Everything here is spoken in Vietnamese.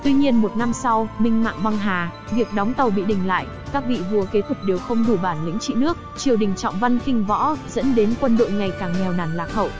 tuy nhiên năm sau minh mạng băng hà việc đóng tàu bị đình lại các vị vua kế tục đều không đủ bản lĩnh trị nước triều đình trọng văn khinh võ dẫn đến quân đội ngày càng nghèo nàn lạc hậu